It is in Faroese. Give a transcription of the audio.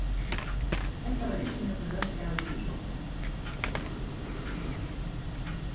hetta var ikki nøkur løtt avgerð hjá okkum